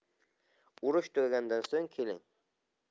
urush tugagandan so'ng keling